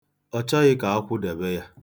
Ọ chọghị ka a kwụdebe ya.